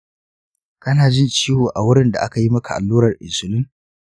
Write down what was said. kana jin ciwo a wurin da akayi maka allurar insulin?